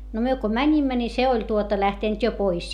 no me kun menimme niin se oli tuota lähtenyt jo pois